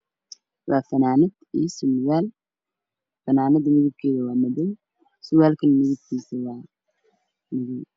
Waa fanaanad iyo surwaal fanaanada midabkeedu waa madoow surwaalkana midabkiisa waa madow